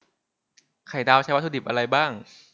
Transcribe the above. ไข่ดาวใช้วัตถุดิบอะไรบ้าง